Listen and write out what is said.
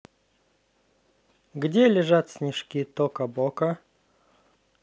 где лежат снежки тока бока